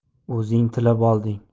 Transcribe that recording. o'zing tilab olding